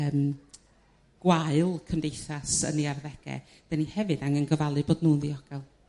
yrm gwael cymdeithas yn 'u arddege 'dyn ni hefyd angen gofalu bod nhw'n ddiogel.